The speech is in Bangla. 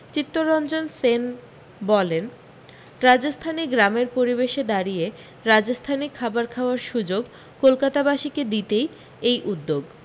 চিত্তরঞ্জন সেন বলেন রাজস্থানি গ্রামের পরিবেশে দাঁড়িয়ে রাজস্থানি খাবার খাওয়ার সু্যোগ কলকাতাবাসীকে দিতেই এই উদ্যোগ